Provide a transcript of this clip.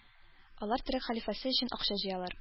Алар төрек хәлифәсе өчен акча җыялар